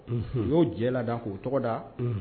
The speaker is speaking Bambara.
U y'o jɛ la da k'o tɔgɔ da